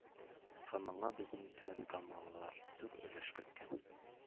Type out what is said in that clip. Һәм моңа безнең түбәнкамалылар зур өлеш керткән.